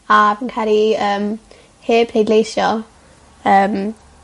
A fi'n credu yym heb pleidleisio yym